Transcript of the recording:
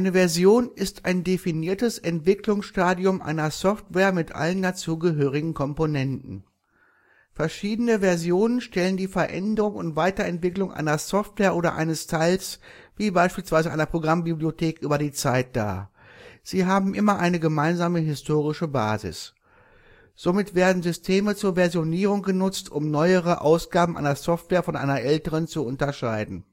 Version ist ein definiertes Entwicklungsstadium einer Software mit allen dazugehörigen Komponenten. Verschiedene Versionen stellen die Veränderung und Weiterentwicklung einer Software oder eines Teils (z. B. Programmbibliothek) über die Zeit dar, sie haben immer eine gemeinsame historische Basis. Somit werden Systeme zur Versionierung genutzt, um neuere Ausgaben einer Software von einer älteren zu unterscheiden